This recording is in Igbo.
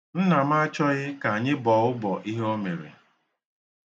Nna m achọghị ka anyị bọọ ụbọ ihe o mere.